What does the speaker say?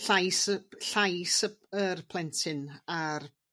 Llais y llais y yr plentyn a'r